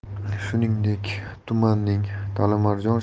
shuningdek tumanning talimarjon